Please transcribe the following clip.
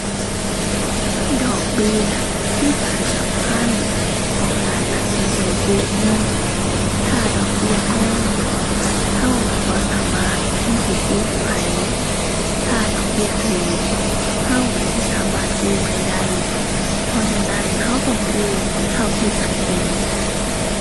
ดอกเบี้ยคือการสำคัญของการตัดสินใจกู้เงิน ถ้าดอกเบี้ยแพงเราเราบ่สามารถที่สิกู้ไหว ถ้าดอกเบี้ยเราเราเราสิสามารถกู้ไหวได้ เพราะฉะนั้นเราต้องกู้เท่าที่จำเป็น